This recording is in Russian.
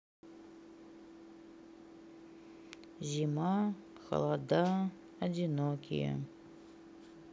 зима холода одинокие